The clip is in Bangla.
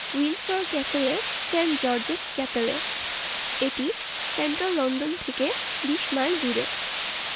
উইন্ডসর ক্যাসেলের সেন্ট জর্জেস চ্যাপেলে এটি সেন্ট্রাল লন্ডন থেকে ২০ মাইল দূরে